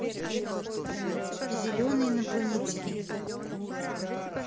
зеленый инопланетянин